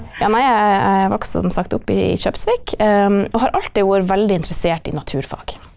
ja nei jeg jeg vokste som sagt opp i Kjøpsvik og har alltid vært veldig interessert i naturfag.